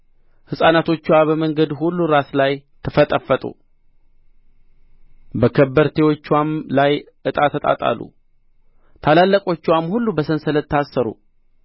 ሕፃናቶችዋ በመንገድ ሁሉ ራስ ላይ ተፈጠፈጡ በከበርቴዎችዋም ላይ ዕጣ ተጣጣሉ ታላላቆችዋም ሁሉ በሰንሰለት ታሰሩ